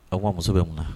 O ko muso bɛ kunna